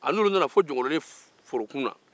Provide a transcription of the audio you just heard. a n'olu nana fo jɔnkolonin forokun na